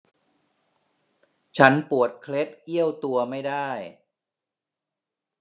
ฉันปวดเคล็ดเอี้ยวตัวไม่ได้